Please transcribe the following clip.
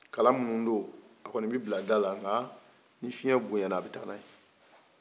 kala minnu don a kɔni bɛ bila da la nka ni fiɲɛ bonya na a bi taa n'a ye